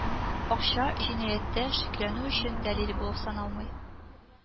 Акча җинаятьтә шикләнү өчен дәлил булып саналмый